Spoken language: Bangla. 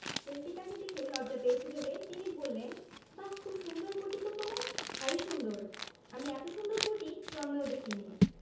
ছেলেটি তাকে দেখে লজ্জা পেয়েছে ভেবে তিনি বললেন বাহ খুব সুন্দর পটি তো তোমার ভারী সুন্দর আমি এত সুন্দর পটি জন্মেও দেখিনি